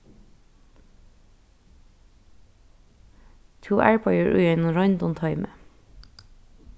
tú arbeiðir í einum royndum toymi